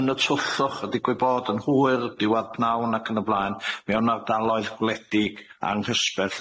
yn y twllwch ydi gwybod, yn hwyr diwadd pnawn ac yn y blaen, mewn ardaloedd gwledig anghysbeth.